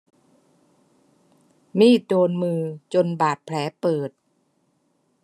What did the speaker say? มีดโดนมือจนบาดแผลเปิด